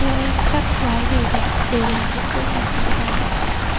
em các cô gái đều đẹp đều là những gương mặt sáng giá